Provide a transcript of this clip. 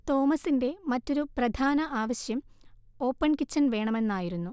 തോമസിന്റെ മറ്റൊരു പ്രധാന ആവശ്യം ഓപ്പൺ കിച്ചൺ വേണമെന്നായിരുന്നു